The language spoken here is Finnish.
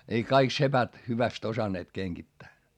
ei kaikki sepät hyvästi osanneet kengittää